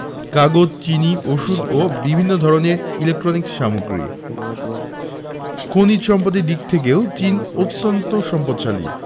কাগজ চিনি ঔষধ ও বিভিন্ন ধরনের ইলেকট্রনিক্স সামগ্রী প্রভ্রিতি খনিজ সম্পদের দিক থেকেও চীন অত্যান্ত সম্পদশালী